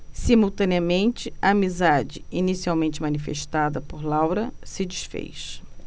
simultaneamente a amizade inicialmente manifestada por laura se disfez